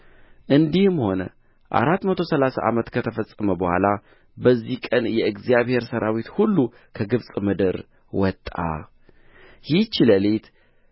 እንዲህም ሆነ አራት መቶ ሠላሳ ዓመት ከተፈጸመ በኋላ በዚያ ቀን የእግዚአብሔር ሠራዊት ሁሉ ከግብፅ ምድር ወጣ ይህች ሌሊት